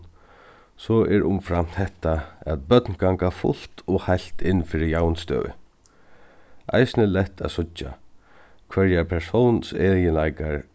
so er umframt hetta at børn ganga fult og heilt inn fyri javnstøðu eisini lætt at síggja hvørjar persónseginleikar